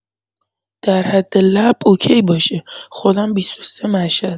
در حد لب اوکی باشه، خودم ۲۳ مشهد